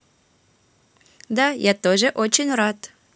да я тоже очень рад